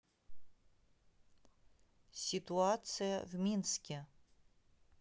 ситуация в минске